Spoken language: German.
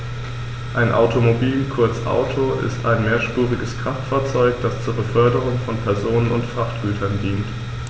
Ein Automobil, kurz Auto, ist ein mehrspuriges Kraftfahrzeug, das zur Beförderung von Personen und Frachtgütern dient.